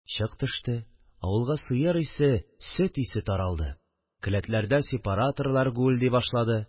Чык төште, авылга сыер исе, сөт исе таралды, келәтләрдә сепараторлар гүелди башлады